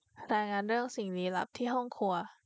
รายงานเรื่องสิ่งลี้ลับที่ห้องครัว